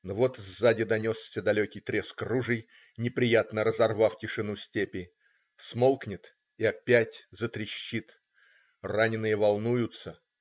Но вот сзади донесся далекий треск ружей, неприятно разорвав тишину степи. Смолкнет и опять затрещит. Раненые волнуются.